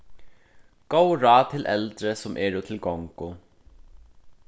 góð ráð til eldri sum eru til gongu